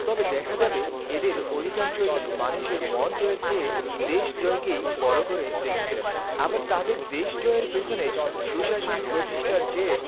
তবে দেখা যাবে এদের অধিকাংশই মানুষের মন জয়ের চেয়ে দেশ জয়কেই বড় করে দেখেছেন আবার তাদের দেশ জয়ের পেছনে সুশাসন প্রতিষ্ঠার চেয়ে